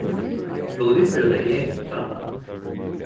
skulu vit fara út at eta